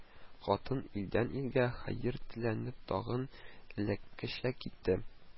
Хатын, илдән-илгә хәер теләнеп, тагын элеккечә китте